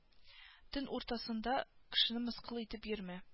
Төн уртасында кешене мыскыл итеп йөрмә